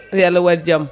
yo Allah waat jaam